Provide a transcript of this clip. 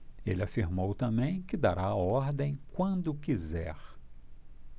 ele afirmou também que dará a ordem quando quiser